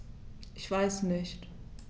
Ich weiß nicht.